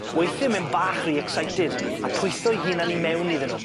Weithie mae'n bach ry excited a pwytho'i hunan i mewn iddyn nw.